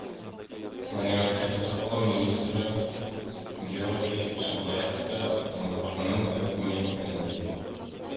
Сәламәтлек саклау министры Георгий Шабаев та форумның әһәмиятен